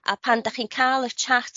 a pan 'dach chi'n ca'l y chat